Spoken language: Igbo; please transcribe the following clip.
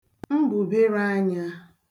mbụ̀berēanyā